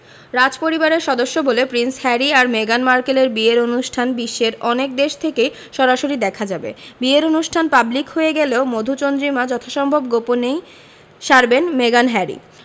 রাজপরিবারের সদস্য বলে প্রিন্স হ্যারি আর মেগান মার্কেলের বিয়ের অনুষ্ঠান বিশ্বের অনেক দেশ থেকেই সরাসরি দেখা যাবে বিয়ের অনুষ্ঠান পাবলিক হয়ে গেলেও মধুচন্দ্রিমা যথাসম্ভব গোপনেই সারবেন মেগান হ্যারি